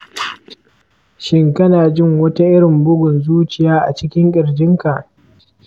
shin kana jin wata irin bugun zuciya a cikin ƙirjinka?